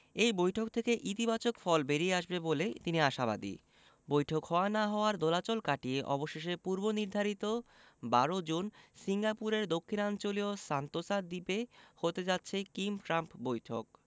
এ বৈঠক থেকে ইতিবাচক ফল বেরিয়ে আসবে বলে তিনি আশাবাদী বৈঠক হওয়া না হওয়ার দোলাচল কাটিয়ে অবশেষে পূর্বনির্ধারিত ১২ জুন সিঙ্গাপুরের দক্ষিণাঞ্চলীয় সান্তোসা দ্বীপে হতে যাচ্ছে কিম ট্রাম্প বৈঠক